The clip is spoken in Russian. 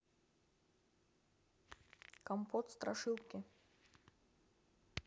компот страшилки